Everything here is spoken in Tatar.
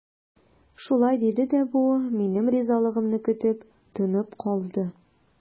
Шулай диде дә бу, минем ризалыгымны көтеп, тынып калды.